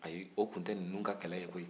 ayi o tun tɛ ninnu ka kɛlɛ ye koyi